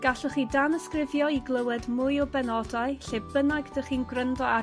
Gallwch chi danysgrifio i glywed mwy o benodau lle bynnag 'da chi'n gwrando ar